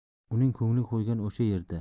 uning ko'ngil qo'ygani o'sha yerda